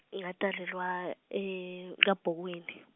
ngatalelwa e kaBhoweni.